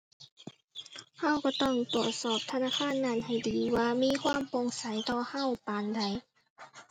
เราก็ต้องตรวจสอบธนาคารนั้นให้ดี ว่ามีความโปร่งใสต่อเราปานใด